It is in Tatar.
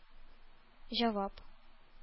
Җавап